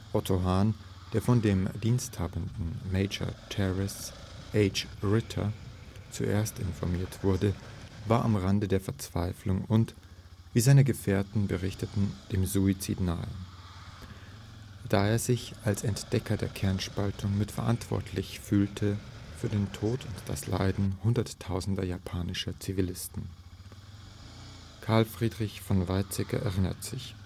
Otto Hahn, der von dem diensthabenden Major Terence H. Rittner zuerst informiert wurde, war am Rande der Verzweiflung und, wie seine Gefährten berichteten, dem Suizid nahe, da er sich als Entdecker der Kernspaltung mitverantwortlich fühlte für den Tod und das Leiden hunderttausender japanischer Zivilisten. Carl Friedrich von Weizsäcker erinnert sich